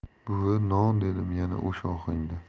buvi non dedim yana o'sha ohangda